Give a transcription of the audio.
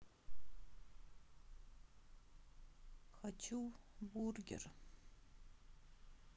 хочу бургер